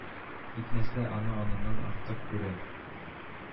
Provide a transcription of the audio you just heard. Итмәсә, аны аныннан артык күрә